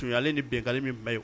Sunjataale ni bɛnka min ba ye